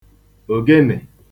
ògenè